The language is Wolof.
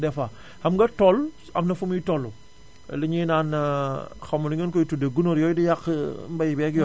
des fois xam nga tool am na fumuy toll li ñuy naan xaw ma nu ngeen koy tuddee gunóor yooyu di yàq mbay meeg yooyu